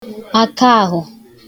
akaahụ̀